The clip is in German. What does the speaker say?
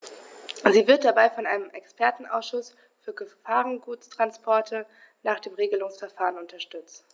Sie wird dabei von einem Expertenausschuß für Gefahrguttransporte nach dem Regelungsverfahren unterstützt.